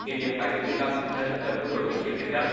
kỷ niệm bảy mươi tư năm ngày thành lập quân đội nhân dân việt nam